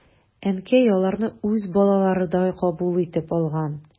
Әнкәй аларны үз балаларыдай кабул итеп алган.